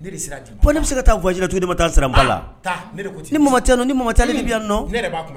Bɛ se ka taa taa la